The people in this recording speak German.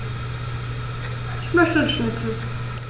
Ich möchte Schnitzel.